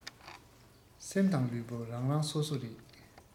སེམས དང ལུས པོ རང རང སོ སོ རེད